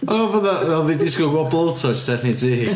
Ond fatha oedd hi'n disgwyl bod blowtorch tu allan i tŷ hi.